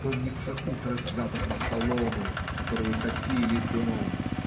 Помнится утро с запахом соломы, которою топили дом.